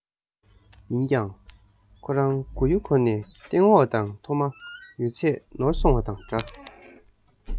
ཡིན ཀྱང ཁོ རང མགོ ཡུ འཁོར ནས སྟེང འོག དང མཐོ དམའ ཡོད ཚད ནོར སོང བ དང འདྲ